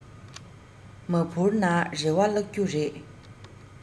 མ འཕུར ན རེ བ བརླགས རྒྱུ རེད